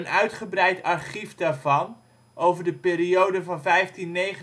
uitgebreid archief daarvan (periode 1539-1811